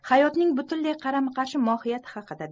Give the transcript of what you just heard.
hayotning butunlay qarama qarshi mohiyati haqida